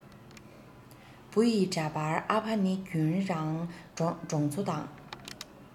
བུ ཡི འདྲ པར ཨ ཕ ནི རྒྱུན རང གྲོང ཚོ དང